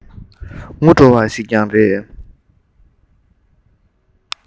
ངུ བྲོ བ ཞིག ཀྱང རེད